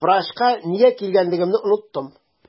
Врачка нигә килгәнлегемне оныттым.